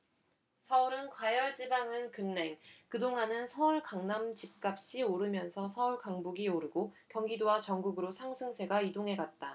서울은 과열 지방은 급랭그동안은 서울 강남 집값이 오르면 서울 강북이 오르고 경기도와 전국으로 상승세가 이동해갔다